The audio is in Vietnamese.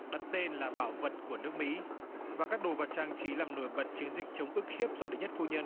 đặt tên là bảo vật của nước mỹ và các đồ vật trang trí làm nổi bật chiến dịch chống ức hiếp do đệ nhất phu nhân